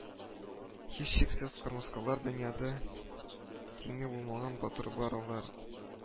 "һичшиксез, кырмыскалар, дөньяда тиңе булмаган батырлар алар"